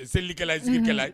E selilikɛla ye zikiri kɛla ye?